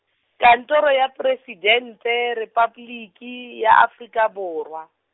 Kantoro ya Presidente Repabliki ya Afrika Borwa.